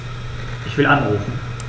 Ich will anrufen.